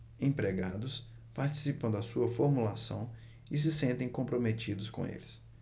empregados participam da sua formulação e se sentem comprometidos com eles